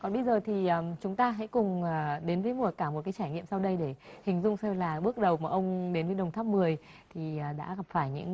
còn bây giờ thì chúng ta hãy cùng đến với mùa cả một cái trải nghiệm sau đây để hình dung xem là bước đầu mà ông đến với đồng tháp mười thì đã gặp phải những